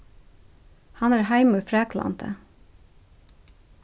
hann er heima í fraklandi